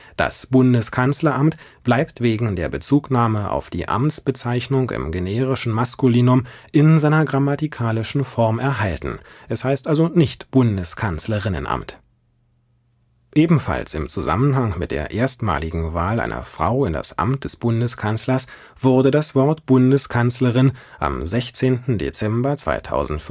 Das Bundeskanzleramt bleibt wegen der Bezugnahme auf die Amtsbezeichnung im generischen Maskulinum in seiner grammatikalischen Form erhalten; es heißt also nicht „ Bundeskanzlerinnenamt “. Ebenfalls im Zusammenhang mit der erstmaligen Wahl einer Frau in das Amt des Bundeskanzlers wurde das Wort „ Bundeskanzlerin “am 16. Dezember 2005